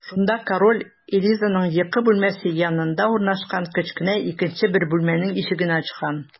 Шунда король Элизаның йокы бүлмәсе янында урнашкан кечкенә икенче бер бүлмәнең ишеген ачкан.